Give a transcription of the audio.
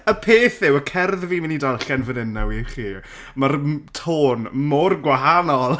Y peth yw y cerdd fi'n mynd i darllen fan hyn nawr i chi ma'r m- tôn mor gwahanol.